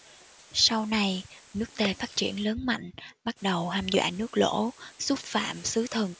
sau này nước tề phát triển lớn mạnh bắt đầu hăm dọa nước lỗ xúc phạm sứ thần